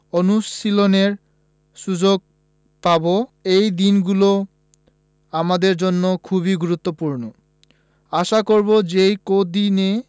অনুশীলনের সুযোগ পাব এই দিনগুলো আমাদের জন্য খুবই গুরুত্বপূর্ণ আশা করব এই কদিনে